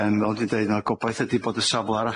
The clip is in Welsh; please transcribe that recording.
Yym fel dwi'n deud ma'r gobaith ydi bod y safla ar